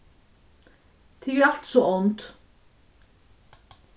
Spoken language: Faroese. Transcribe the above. tykur eru altíð so ónd